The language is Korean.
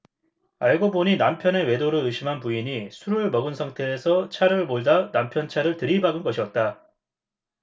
알고 보니 남편의 외도를 의심한 부인이 술을 먹은 상태에서 차를 몰다 남편 차를 들이받은 것이었다